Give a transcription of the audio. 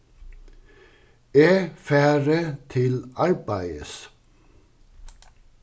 eg fari til arbeiðis